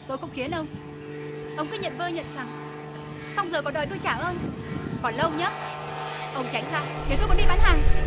tôi không khiến ông ông cứ nhận vơ nhận xằng xong giờ còn đòi tôi trả ơn còn lâu nhá ông tránh ra để tôi còn đi bán hàng